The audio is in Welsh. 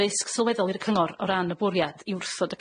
y risg sylweddol i'r cyngor o ran y bwriad i wrthod y